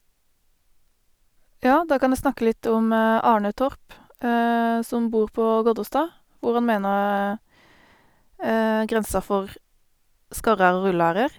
Ja, da kan jeg snakke litt om Arne Torp, som bor på Goderstad, hvor han mener grensa for skarre-r og rulle-r er.